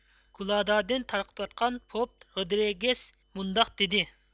گۇلۇدادىن تارقىتىۋاتقان پوپ رودىرېگىس مۇنداق دېدى